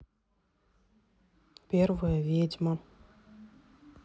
первая ведьма